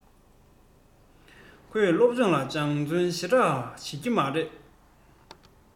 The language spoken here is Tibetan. ཁོས སློབ སྦྱོང ལ སྦྱང བརྩོན ཞེ དྲགས བྱེད ཀྱི མ རེད